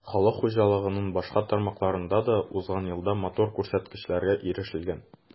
Халык хуҗалыгының башка тармакларында да узган елда матур күрсәткечләргә ирешелгән.